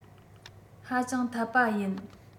ཧ ཅང འཐད པ ཡིན